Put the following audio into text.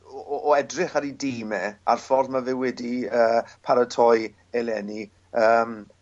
o o o edrych ar 'i dîm e a'r ffordd ma' fe wedi yy paratoi eleni yym